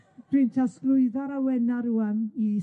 ###dwi'n trosglwyddo'r awena' rŵan i...